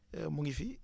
mu ngi fi